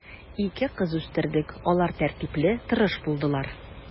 Ике кыз үстердек, алар тәртипле, тырыш булдылар.